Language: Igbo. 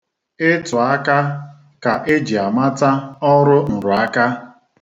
Ịtụ aka ka e ji amata ọrụ nrụaka.